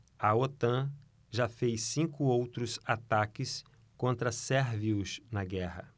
a otan já fez cinco outros ataques contra sérvios na guerra